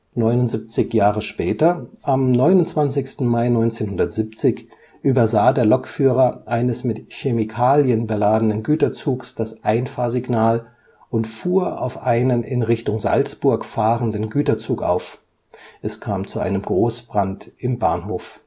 79 Jahre später, am 29. Mai 1970, übersah der Lokführer eines mit Chemikalien beladenen Güterzugs das Einfahrsignal und fuhr auf einen in Richtung Salzburg fahrenden Güterzug auf, es kam zu einem Großbrand im Bahnhof